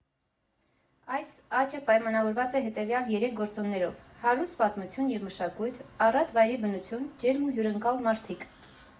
Այս աճը պայմանավորված է հետևյալ երեք գործոններով՝ հարուստ պատմություն և մշակույթ, առատ վայրի բնություն, ջերմ ու հյուրընկալ մարդիկ։